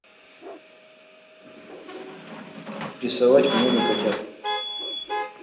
рисовать много котят